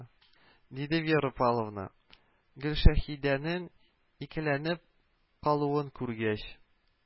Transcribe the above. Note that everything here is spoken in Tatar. Диде вера павловна, гөлшәһидәнең икеләнеп калуын күргәч